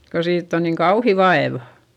kun siitä on niin kauhea vaiva